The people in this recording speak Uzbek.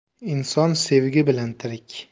inson sevgi bilan tirik